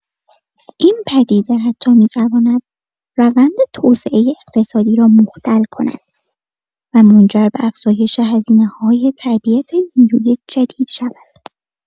این پدیده حتی می‌تواند روند توسعه اقتصادی را مختل کند و منجر به افزایش هزینه‌های تربیت نیروی جدید شود.